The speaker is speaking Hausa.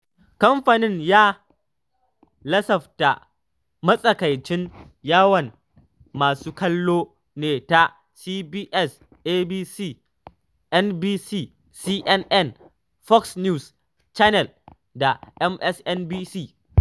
Kamfanin ya lasafta matsakaicin yawan masu kallo ne ta CBS, ABC, NBC, CNN, Fox News Channel da MSNBC.